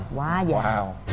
quá dài